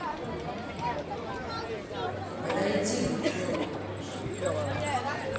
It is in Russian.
подойди ну кто то